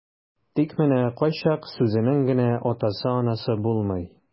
Тик менә кайчак сүзенең генә атасы-анасы булмый.